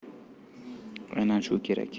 aynan shu kerak